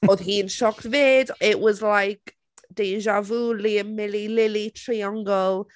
Oedd hi'n shocked 'fyd. It was like deja vu. Liam, Milly, Lily triongl.